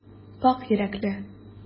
Пакь йөрәкле.